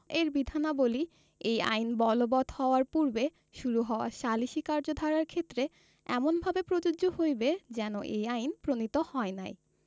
এর বিধানাবলী এই আইন বলবৎ হওয়ার পূর্বে শুরু হওয়া সালিসী কার্যধারার ক্ষেত্রে এমনভাবে প্রযোজ্য হইবে যেন এই আইন প্রণীত হয় নাই